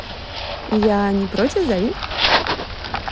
я не против зови